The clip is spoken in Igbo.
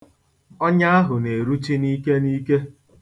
Ọnya ahụ na-eruchi n'ike n'ike.